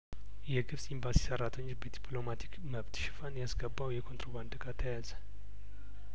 የግብጽ ኤምባሲ ሰራተኛ በዲፕሎማቲክ መብት ሽፋን ያስገባው የኮንትሮባንድ እቃ ተያዘ